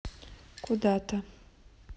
куда то